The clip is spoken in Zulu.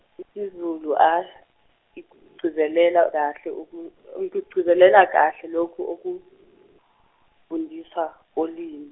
isiZulu A sikugcizelela kahle uku- sikugcizelela lokhu ukufundiswa kolimu.